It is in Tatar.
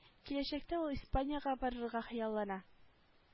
Киләчәктә ул испаниягә барырга хыяллана